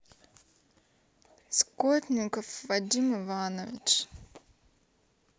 скотников вадим иванович